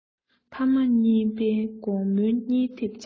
ཕ མ གཉིས པོའི དགོང མོའི གཉིད ཐེབས བཅག